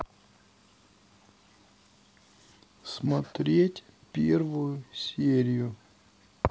смотреть первую серию